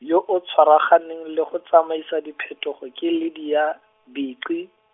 yo o tshwaraganeng le go tsamaisa diphetogo ke Lydia, Bici.